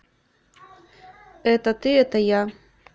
это ты это я